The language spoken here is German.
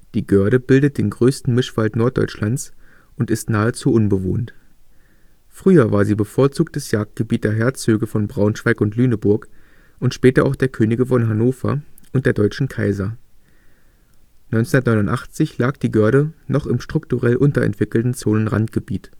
Die Göhrde bildet den größten Mischwald Norddeutschlands und ist nahezu unbewohnt. Früher war sie bevorzugtes Jagdgebiet der Herzöge von Braunschweig und Lüneburg und später auch der Könige von Hannover und der deutschen Kaiser. 1989 lag die Göhrde noch im strukturell unterentwickelten Zonenrandgebiet